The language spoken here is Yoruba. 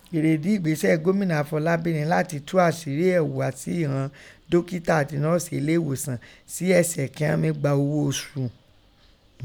Èrèèdi ìgbésẹ gomina Afọlábí nẹ latin tu àsírí ẹ̀hùghàsí ìghọn dokita àti nọ́ọ̀sì eleeghosan si eṣẹ kíghọ́n mí gba ogho osu ún.